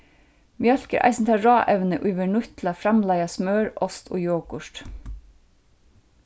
mjólk er eisini tað ráevnið ið verður nýtt til at framleiða smør ost og jogurt